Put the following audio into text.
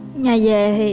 ngày về thì